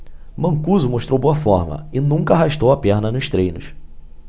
mancuso mostrou boa forma e nunca arrastou a perna nos treinos